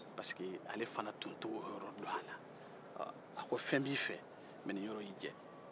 parce que ale fana tun t'o yɔrɔ dɔn a la a ko fɛn b'i fɛ nka ni yɔrɔ y'i jɛ